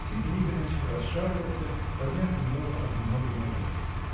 Тит Никоныч расшаркался, подняв немного одну ногу назад.